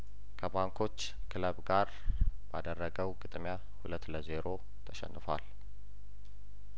ከባንኮች ክለብ ጋር ባደረገው ግጥሚያ ሁለት ለዜሮ ተሸንፏል